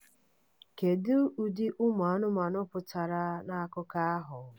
"Kedu ụdị ụmụanụmanụ pụtara n'akụkọ ahụ?"